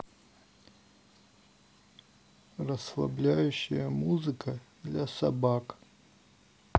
расслабляющая музыка для собак